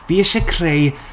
Fi eisiau creu...